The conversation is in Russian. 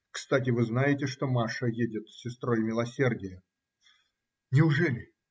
Кстати, вы знаете, что Маша едет сестрой милосердия? - Неужели?